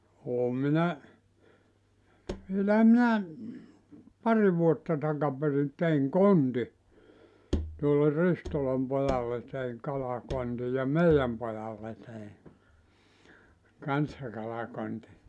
olen minä vielähän minä pari vuotta takaperin tein kontin tuolle Ristolan pojalle tein kalakontin ja meidän pojalle tein kanssa kalakontin